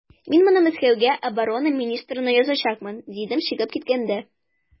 Мин моны Мәскәүгә оборона министрына язачакмын, дидем чыгып киткәндә.